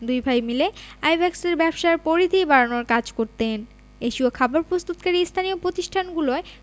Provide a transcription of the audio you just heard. দুই ভাই মিলে আইব্যাকসের ব্যবসার পরিধি বাড়ানোর কাজ করতেন এশীয় খাবার প্রস্তুতকারী স্থানীয় প্রতিষ্ঠানগুলোয়